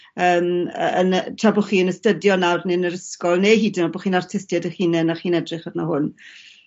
Yn yy yn y tra bo chi'n astudio nawr ne' yn yr ysgol ne' hyd yn o'd bo' chi'n artistied 'ych hunen a chi'n edrych arno hwn.